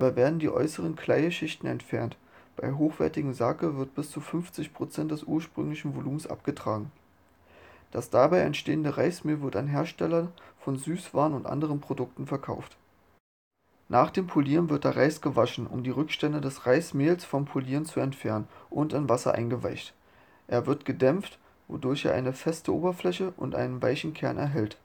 werden die äußeren Kleieschichten entfernt, bei hochwertigem Sake wird bis zu 50 % des ursprünglichen Volumens abgetragen. Das dabei entstehende Reismehl wird an Hersteller von Süßwaren und anderen Produkten verkauft. Nach dem Polieren wird der Reis gewaschen, um die Rückstände des Reismehls vom Polieren zu entfernen, und in Wasser eingeweicht. Er wird gedämpft, wodurch er eine feste Oberfläche und einen weichen Kern erhält